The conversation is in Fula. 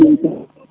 *